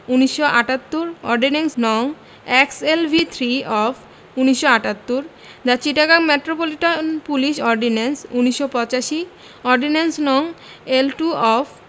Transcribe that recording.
১৯৭৮ ordinance নং X L V three of ১৯৭৮ the Chittagong metropolitan police ordinance ১৯৮৫ ordinance নং L two of